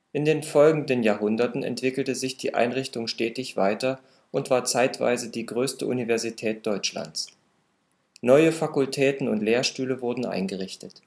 In den folgenden Jahrhunderten entwickelte sich die Einrichtung stetig weiter und war zeitweise die größte Universität Deutschlands. Neue Fakultäten und Lehrstühle wurden eingerichtet